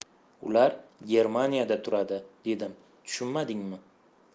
ular germaniyada turadi dedim tushunmadingmi